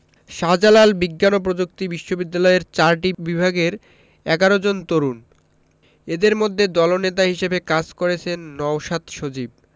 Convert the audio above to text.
শাহজালাল বিজ্ঞান ও প্রযুক্তি বিশ্ববিদ্যালয়ের চারটি বিভাগের ১১ জন তরুণ এদের মধ্যে দলনেতা হিসেবে কাজ করেছেন নওশাদ সজীব